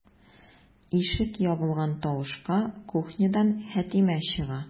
Ишек ябылган тавышка кухнядан Хәтимә чыга.